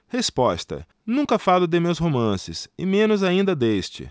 resposta nunca falo de meus romances e menos ainda deste